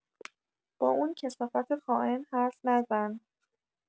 با اون کثافت خائن حرف نزن